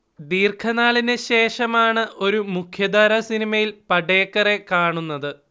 ദീർഘനാളിന് ശേഷമാണ് ഒരു മുഖ്യധാര സിനിമയിൽ പടേക്കറെ കാണുന്നത്